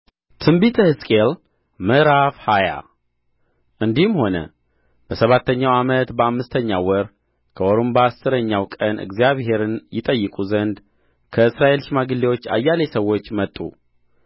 ትንቢተ ሕዝቅኤል ምዕራፍ ሃያ እንዲህም ሆነ በሰባተኛው ዓመት በአምስተኛው ወር ከወሩም በአሥረኛው ቀን እግዚአብሔርን ይጠይቁ ዘንድ ከእስራኤል ሽማግሌዎች አያሌ ሰዎች መጡ